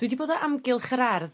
Dwi 'di bod o amgylch yr ardd